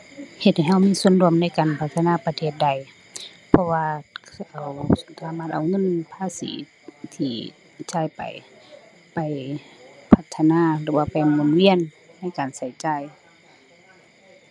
เฮ็ดให้เรามีส่วนร่วมในการพัฒนาประเทศได้ เพราะว่า ขะ เขาสามารถเอาเงินภาษีที่จ่ายไป ไปพัฒนา หรือว่าไปหมุนเวียนในการเราจ่าย